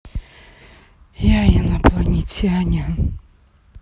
я инопланетянин